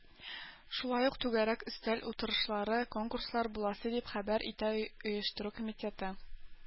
Шулай ук түгәрәк өстәл утырышлары, конкурслар буласы, дип хәбәр итә оештыру комитеты.